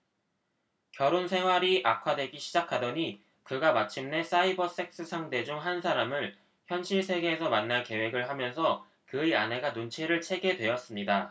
결혼 생활이 악화되기 시작하더니 그가 마침내 사이버섹스 상대 중 한 사람을 현실 세계에서 만날 계획을 하면서 그의 아내가 눈치를 채게 되었습니다